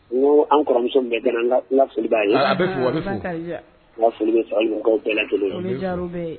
N' an kɔrɔmuso la bɛ bɛɛ